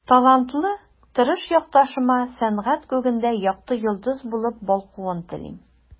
Талантлы, тырыш якташыма сәнгать күгендә якты йолдыз булып балкуын телим.